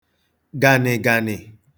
gànị̀gànị̀